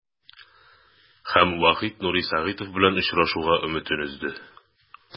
Һәм Вахит Нури Сагитов белән очрашуга өметен өзде.